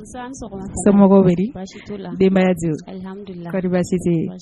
So bɛ denbaya don kari tɛ